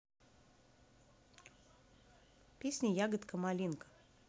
песня ягодка малинка